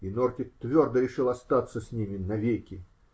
И Норти твердо решил остаться с ними навеки.